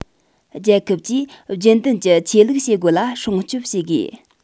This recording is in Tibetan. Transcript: རྒྱལ ཁབ ཀྱིས རྒྱུན ལྡན གྱི ཆོས ལུགས བྱེད སྒོ ལ སྲུང སྐྱོབ བྱེད དགོས